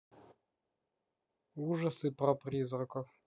ужасы про призраков